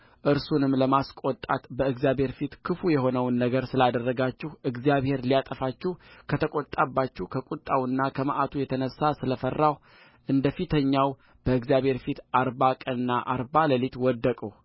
እርሱንም ለማስቈጣት በእግዚአብሔር ፊት ክፉ የሆነውን ነገር ስላደረጋችሁ እግዚአብሔር ሊያጠፋችሁ ከተቈጣባችሁ ከቍጣውና ከመዓቱ የተነሣ ስለ ፈራሁ እንደ ፊተኛው በእግዚአብሔር ፊት አርባ ቀንና አርባ ሌሊት ወደቅሁ